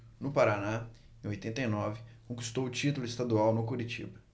no paraná em oitenta e nove conquistou o título estadual no curitiba